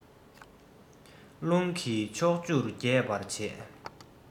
རླུང གིས ཕྱོགས བཅུར རྒྱས པར བྱེད